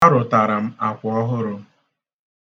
Arụtara m akwa ọhụrụ.